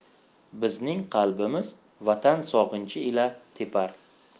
bizning qalbimiz vatan sog'inchi ila tepar